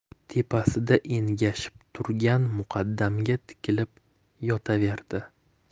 tepasida engashib turgan muqaddamga tikilib yotaverdi